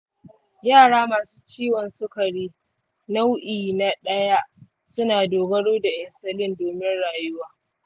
yara masu ciwon sukari nau’i na ɗaya suna dogaro da insulin domin rayuwa.